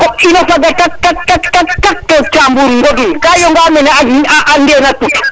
koɓ ina faga tak tak tak to cambur ŋodun ka yonga mene a ndena put